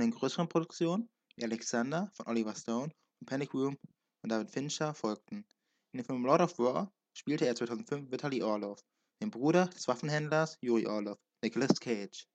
großen Produktionen wie Alexander von Oliver Stone und Panic Room von David Fincher folgten. In dem Film Lord of War spielte er 2005 Vitaly Orlov, den Bruder des Waffenhändlers Yuri Orlov (Nicolas Cage